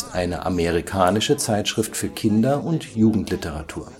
eine amerikanische Zeitschrift für Kinder - und Jugendliteratur